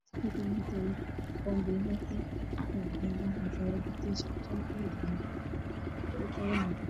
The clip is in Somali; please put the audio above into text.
Meshaan waxaa yaalo boon balo. Waxaa saaran katiin